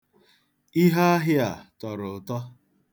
Iheahịa a tọrọ ụtọ.